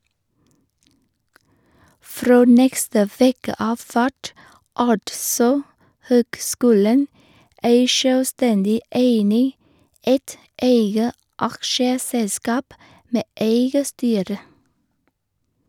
Frå neste veke av vert altså høgskulen ei sjølvstendig eining, eit eige aksjeselskap med eige styre.